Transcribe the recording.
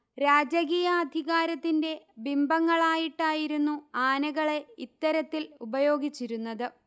രാജകീയാധികാരത്തിന്റെ ബിംബങ്ങളായിട്ടായിരുന്നു ആനകളെ ഇത്തരത്തിൽ ഉപയോഗിച്ചിരുന്നത്